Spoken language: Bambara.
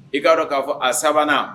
I k'a dɔn k'a fɔ a sabanan